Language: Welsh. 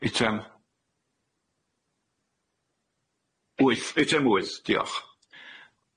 Eitem wyth eitem wyth diolch.